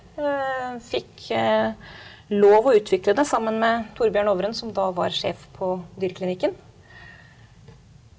fikk lov å utvikle det sammen med Torbjørn Owren som da var sjef på dyreklinikken.